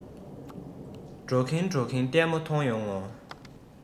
འགྲོ གིན འགྲོ གིན ལྟད མོ མཐོང ཡོང ངོ